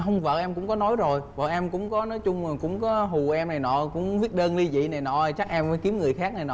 hông vợ em cũng có nói rồi vợ em cũng có nói chung là cũng có hù em này nọ cũng viết đơn ly dị này nọ chắc em phải kiếm người khác này nọ